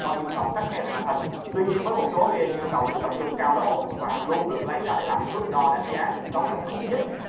và có yêu cầu khắt khe về màn hình tuy nhiên với một số tựa game yêu cầu sự tập trung cao độ và luôn được lấy ra để làm thước đo đánh giá những cấu hình khủng nhất